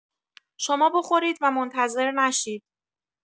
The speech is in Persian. شما بخورید و منتظر نشید.